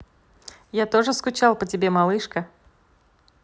я тоже скучал по тебе малышка